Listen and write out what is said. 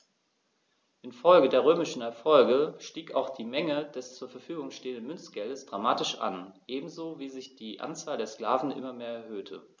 Infolge der römischen Erfolge stieg auch die Menge des zur Verfügung stehenden Münzgeldes dramatisch an, ebenso wie sich die Anzahl der Sklaven immer mehr erhöhte.